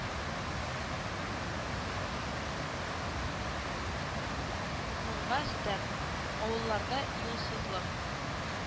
Моңа өстәп, авылларда – юлсызлык